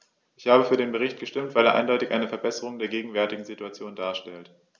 Ich habe für den Bericht gestimmt, weil er eindeutig eine Verbesserung der gegenwärtigen Situation darstellt.